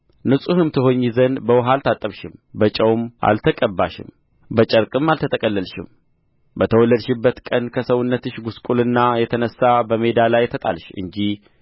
ንጹሕም ትሆኚ ዘንድ በውኃ አልታጠብሽም በጨውም አልተቀባሽም በጨርቅም አልተጠቀለልሽም በተወለድሽበት ቀን ከሰውነትሽ ጕስቍልና የተነሣ በሜዳ ላይ ተጣልሽ እንጂ